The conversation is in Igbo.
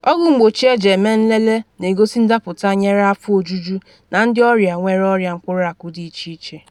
Ọgwụ mgbochi eji eme nlele na-egosi ndapụta nyere afọ ojuju na ndị ọrịa nwere ọrịa mkpụrụ akụ dị iche iche.